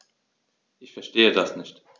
Ich verstehe das nicht.